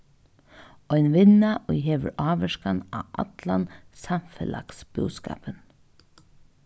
ein vinna ið hevur ávirkan á allan samfelagsbúskapin